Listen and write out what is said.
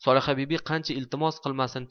solihabibi qancha iltimos qilmasin